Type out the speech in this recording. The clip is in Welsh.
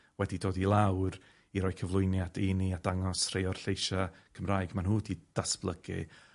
wedi dod i lawr i roi cyflwyniad i ni a dangos rhei o'r lleisia' Cymraeg ma' nhw 'di datblygu